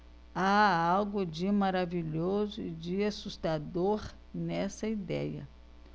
há algo de maravilhoso e de assustador nessa idéia